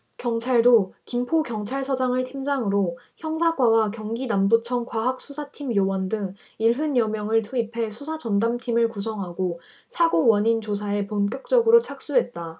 경찰도 김포경찰서장을 팀장으로 형사과와 경기남부청 과학수사팀 요원 등 일흔 여명을 투입해 수사 전담팀을 구성하고 사고 원인 조사에 본격적으로 착수했다